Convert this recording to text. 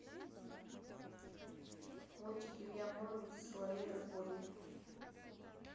мультик илья муромец и соловей разбойник